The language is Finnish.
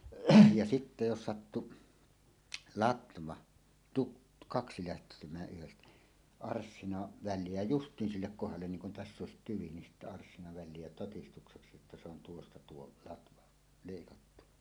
ja sitten jos sattui latva - kaksi lähtemään yhdestä arssinan väliin jää justiin sille kohdalle niin kuin tässä olisi tyvi niin sitten arssina väliin jää todistukseksi että se on tuosta tuo latva leikattu